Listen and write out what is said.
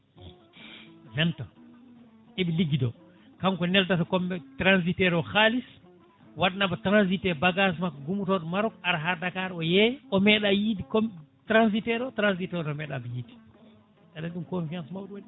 vingt ans eɓe ligguido kanko neldata commer transitaire o haliss waɗanamo transite e bagage makko gummotoɗo Maroc ara ha Dakar o yeeya o meeɗa yiide comme transitaire o transitaire o meeɗamo yiide aɗa ɗum ko confiance mawɗo waɗi ɗum